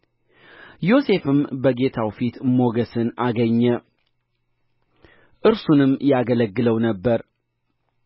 እንዲህም ሆነ በቤቱ ባለውም ሁሉ ላይ ከሾመው በኋላ እግዚአብሔር የግብፃዊውን ቤት ስለ ዮሴፍ ባረከው የእግዚአብሔር በረከት በውጪም በግቢም ባለው ሁሉ ላይ ሆነ